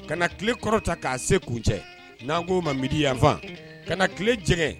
Ka tile kɔrɔ ta k'a se kun cɛ n'an ko'o ma midiyanfan ka tile jɛgɛ